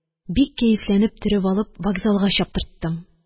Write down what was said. Бик кәефләнеп төреп алып, вокзалга чаптырттым